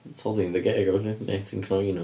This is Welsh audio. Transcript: toddi yn dy geg a ballu, neu ti'n cnoi nhw.